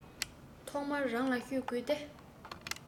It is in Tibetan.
ཐོག མར རང ལ བཤད དགོས ཏེ